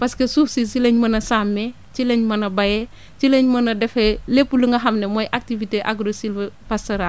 parce que suuf si si lañ mën a sàmmee ci lañ mën a béyee ci lañ mën a defee lépp lu nga xam ne mooy activité agrosilvopastoral